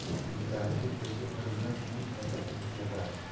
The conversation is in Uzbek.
yigitali aka ko'z qiri bilan uning harakatini kuzatardi